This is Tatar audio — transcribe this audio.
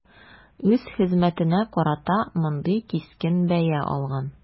Үз хезмәтенә карата мондый кискен бәя алган.